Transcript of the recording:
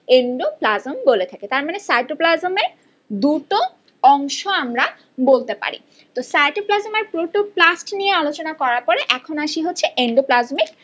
endoplasm বলে থাকি তার মানে সাইটোপ্লাজমের দুটো অংশ আমরা বলতে পারি তো সাইটোপ্লাজমের প্রোটোপ্লাস্ট নিয়ে আলোচনা করার পরে এখন আসি হচ্ছে এন্ডোপ্লাজমিক